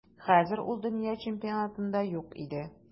Хәзер ул дөнья чемпионатында юк иде.